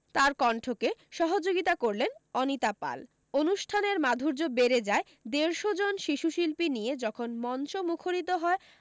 তার কন্ঠকে সহযোগিতা করলেন অনিতা পাল অনুষ্ঠানের মাধুর্য বেড়ে যায় দেড়শো জন শিশুশিল্পী নিয়ে যখন মঞ্চ মুখরিত হয়